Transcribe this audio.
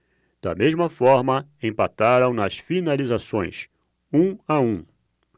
da mesma forma empataram nas finalizações um a um